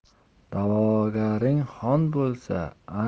da'vogaring xon bo'lsa